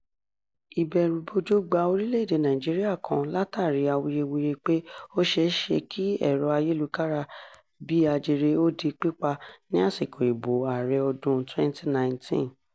Ìbẹ̀rùbojo gba orílẹ̀-èdè Nàìjíríà kan látàrí awuyewuye pé ó ṣe é ṣe kí ẹ̀rọ ayélukára-bí-ajere ó di pípa ní àsìkò ìbò ààrẹ ọdún-un 2019.